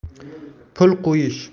pul qo'yish